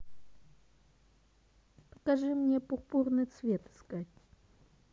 покажи мне пурпурный цвет искать